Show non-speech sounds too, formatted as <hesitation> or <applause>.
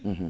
<hesitation> <hesitation>